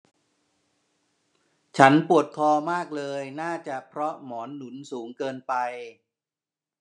ฉันปวดคอมากเลยน่าจะเพราะหมอนหนุนสูงเกินไป